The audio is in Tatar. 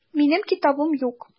Минем китабым юк.